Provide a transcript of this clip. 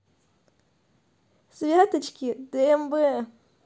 святочки дмб